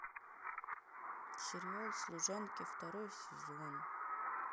сериал служанки второй сезон